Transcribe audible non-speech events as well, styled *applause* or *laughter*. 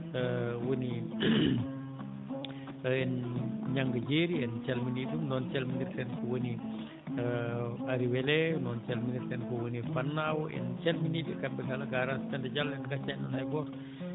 *hesitation* woni *hesitation* Ñagga Jeeri en calminii ɗum noon calminirten ko woni Ari weele noon calminirten kowoni Fannaw en calminii ɓe kamɓe kala garage Penda Diallo en ngaccaani ɗon hay gooto